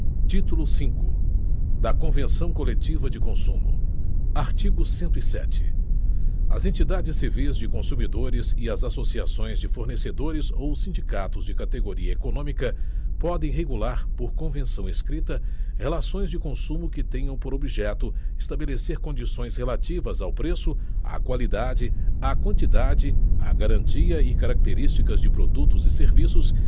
título cinco da convenção coletiva de consumo artigo cento e sete as entidades civis de consumidores e as associações de fornecedores ou sindicatos de categoria econômica podem regular por convenção escrita relações de consumo que tenham por objeto estabelecer condições relativas ao preço à qualidade à quantidade à garantia e características de produtos e serviços